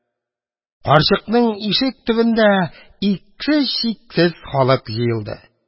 Карчыкның ишек төбендә иксез-чиксез халык җыелды.